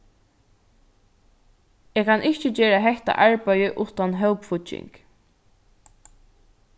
eg kann ikki gera hetta arbeiðið uttan hópfígging